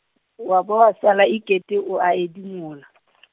wa ba wa sale e kete o a edimola .